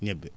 ñebbe